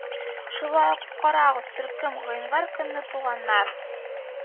Шулай ук карагыз: Төркем:гыйнвар көнне туганнар